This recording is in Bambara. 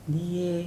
Nin ye